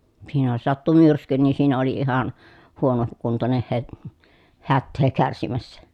siinä jos sattui myrsky niin siinä oli ihan - huonokuntoinen - hätää kärsimässä